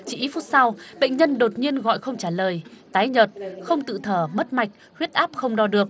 chỉ ít phút sau bệnh nhân đột nhiên gọi không trả lời tái nhợt không tự thở mất mạch huyết áp không đo được